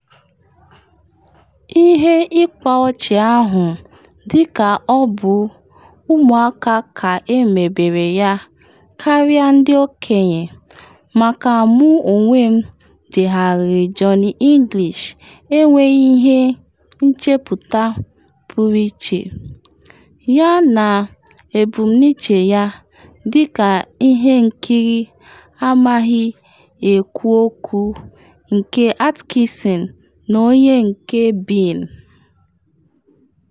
Ihe ịkpa ọchị ahụ dịka ọ bụ ụmụaka ka emebere ya karịa ndị okenye, maka mụ onwe m njegheri Johnny English enweghị ihe nchepụta pụrụ iche yana ebumnuche ya dịka ihe nkiri anaghị ekwu okwu nke Atkinson, n’onye nke Bean.